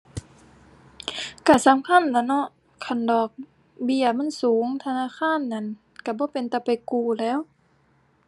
ก็สำคัญล่ะเนาะ คันดอกเบี้ยมันสูง ธนาคารนั้นก็บ่เป็นตาไปกู้แหล้ว